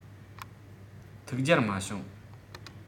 ཐུགས རྒྱལ མ བྱུང